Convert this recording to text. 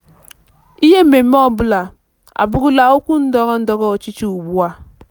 Ime mmemme ọbụla abụrụla okwu ndọrọndọrọ ọchịchị ugbua.